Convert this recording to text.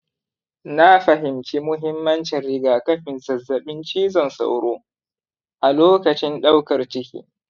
na fahimci muhimmancin rigakafin zazzabin cizon sauro a lokacin daukar ciki.